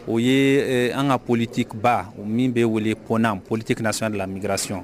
O ye an ka politiba min bɛ wele kɔnna politek kana sɔn de la mikrasiɔn